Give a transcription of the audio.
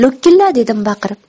lo'killa dedim baqirib